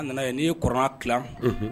A nana ye ni kɔrɔ ki